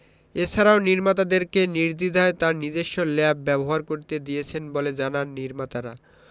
এছাড়াও নির্মাতাদেরকে নির্দ্বিধায় তার নিজস্ব ল্যাব ব্যবহার করতে দিয়েছেন বলে জানান নির্মাতারা